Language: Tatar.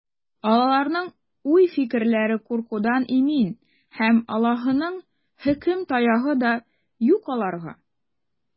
Аларның уй-фикерләре куркудан имин, һәм Аллаһының хөкем таягы да юк аларга.